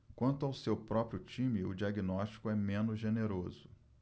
quanto ao seu próprio time o diagnóstico é menos generoso